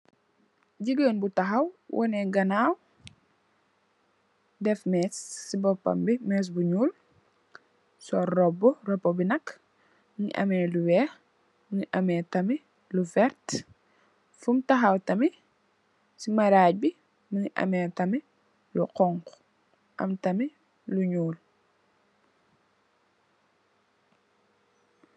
Jigeen bu taxaw wone ganaw deff mess si bopam bi mess bu nuul sol roba roba bi nak mongi ame lu weex mongi ame tamit lu verta fum taxaw tamit si marag bi ame tamit lu xonxu am tamit lu nuul.